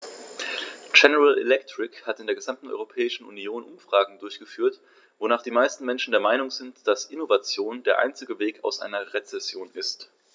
General Electric hat in der gesamten Europäischen Union Umfragen durchgeführt, wonach die meisten Menschen der Meinung sind, dass Innovation der einzige Weg aus einer Rezession ist.